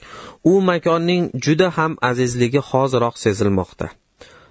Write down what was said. u makonning juda ham azizligini hozkroq sezmoqda